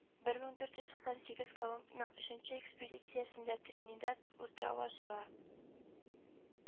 Бер мең дүрт йөз туксан сигез колумбның өченче экспедициясендә тринидад утравы ачыла